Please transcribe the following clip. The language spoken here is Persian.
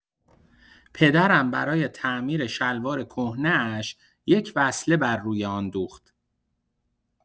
پدرم برای تعمیر شلوار کهنه‌اش، یک وصله بر روی آن دوخت.